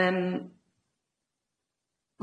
Yym.